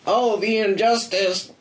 Oh, the injustice.